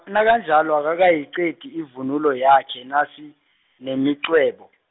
nakanjalo akakayiqedi ivunulo yakhe nasi, nemiqwebo.